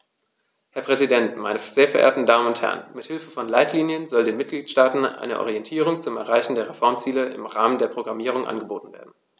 Herr Präsident, meine sehr verehrten Damen und Herren, mit Hilfe von Leitlinien soll den Mitgliedstaaten eine Orientierung zum Erreichen der Reformziele im Rahmen der Programmierung angeboten werden.